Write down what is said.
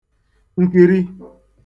Nkiri